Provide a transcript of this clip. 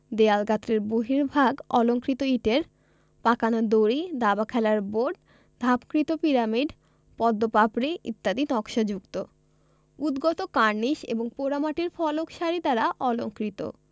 দেয়ালগাত্রের বহির্ভাগ অলঙ্কৃত ইটের পাকানো দড়ি দাবা খেলার বোর্ড ধাপকৃত পিরামিডপদ্ম পাপড়ি ইত্যাদি নকশাযুক্ত উদ্গত কার্নিস এবং পোড়ামাটির ফলক সারি দ্বারা অলঙ্কৃত